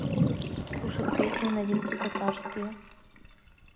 слушать песни новинки татарские